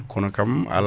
kono kam ala